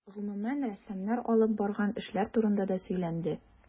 Гомүмән, рәссамнар алып барган эшләр турында да сөйләнде.